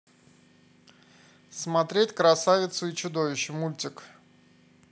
смотреть красавицу и чудовище мультик